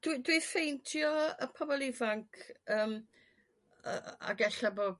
Dwi dwi ffeindio y pobl ifanc yrm a ag ella bo'